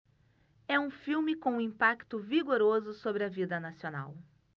é um filme com um impacto vigoroso sobre a vida nacional